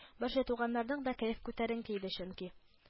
Барча туганнарның да кәеф күтәренке иде чөнки